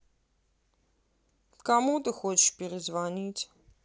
кому ты хочешь перезвонить